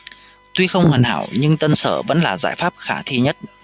tuy không hoàn hảo nhưng tân sở vẫn là giải pháp khả thi nhất